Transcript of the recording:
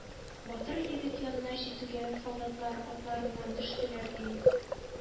Батыр егет янына җитүгә, солдатлар атларыннан төштеләр, ди,